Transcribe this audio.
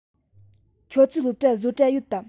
ཁྱོད ཚོའི སློབ གྲྭར བཟོ གྲྭ ཡོད དམ